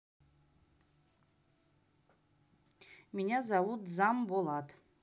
меня зовут дзамболат